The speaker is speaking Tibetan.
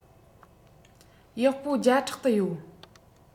ཡག པོ བརྒྱ ཕྲག དུ ཡོད